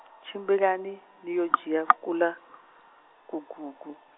tshimbilani, niyo dzhia kuḽa, kugugu.